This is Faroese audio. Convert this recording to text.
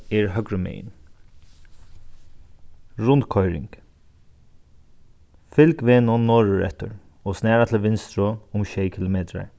er høgrumegin rundkoyring fylg vegnum norðureftir og snara til vinstru um sjey kilometrar